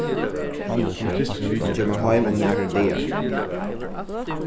hann kemur heim um nakrar dagar